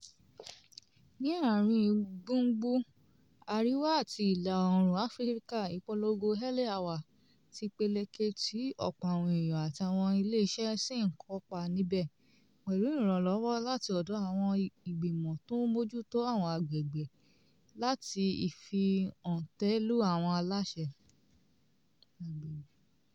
Ní àárín gbùngbù Àríwá àti ìlà oòrùn Africa, ìpolongo Early Hour tí peléke tí ọ̀pọ̀ àwọn eèyàn àti àwọn iléeṣẹ́ sì ń kópa nibẹ̀, pẹ̀lú ìranlọ́wọ́ láti ọ̀dọ̀ àwọn ìgbìmọ̀ tó ń mójútó àwọn agbègbè àti ìfi-òǹtẹ̀lù àwọn aláṣẹ.